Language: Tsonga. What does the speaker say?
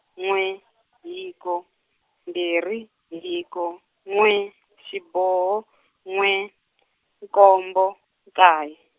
n'we hiko, mbirhi hiko, n'we xiboho n'we, nkombo nkaye.